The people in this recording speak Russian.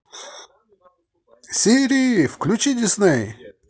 сири включи дисней